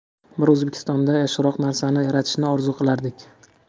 biz o'zbekistonda yaxshiroq narsani yaratishni orzu qilardik